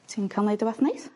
Ti'n ca'l neud wbath neis?